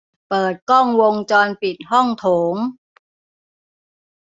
เปิดกล้องวงจรปิดห้องโถง